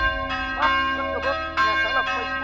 mác dách cơ bớp nhà sáng lập phây búc